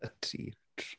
Petite.